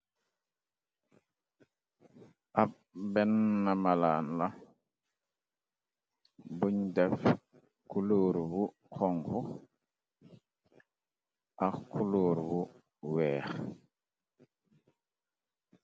Ab ben na malaan la buñ def kulóor bu xongu ax kulóor bu weex.